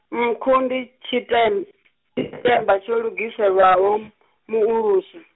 nkhu ndi tshite-, tshitemba tsho lugiselwaho, muuluso.